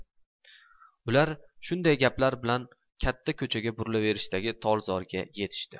ular shunday gaplar bilan katta ko'chaga chiqaverishdagi tolzorga yetishdi